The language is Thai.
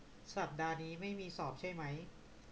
สัปดาห์นี้ไม่มีสอบใช่ไหม